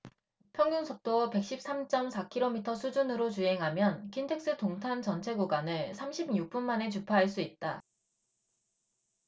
평균속도 백 십 삼 쩜 사 키로미터 수준으로 주행하면 킨텍스 동탄 전체 구간을 삼십 육 분 만에 주파할 수 있다